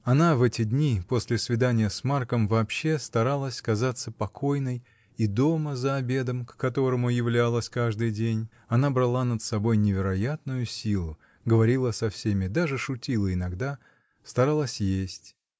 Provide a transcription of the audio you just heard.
Она в эти дни, после свидания с Марком, вообще старалась казаться покойной и дома, за обедом, к которому являлась каждый день, она брала над собой невероятную силу, говорила со всеми, даже шутила иногда, старалась есть.